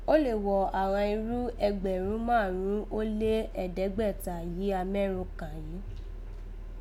Ó lè wo àghan irun ẹgbẹ̀rún márùn un ó lé ẹ̀ẹ́dẹ́gbàáta yìí a mẹ́run kàn yìí